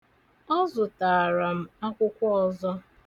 Ọ zutaara m akwụkwọ ọzọ.